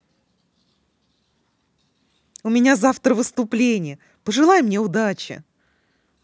у меня завтра выступление пожелай мне удачи